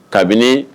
Kabini